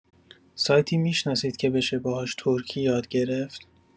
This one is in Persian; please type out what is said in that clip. سایتی می‌شناسید که بشه باهاش ترکی یاد گرفت؟